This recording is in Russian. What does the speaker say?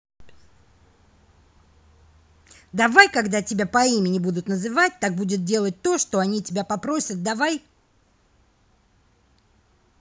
давай когда тебя по имени будут называть так будет делать то что они тебя попросят давай